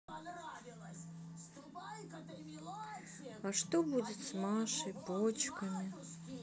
а что будет с машей почками